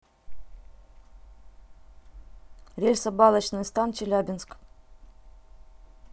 рельсобалочный стан челябинск